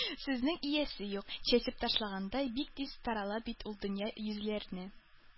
Сүзнең иясе юк, чәчеп ташлагандай, бик тиз тарала бит ул дөнья йөзләренә.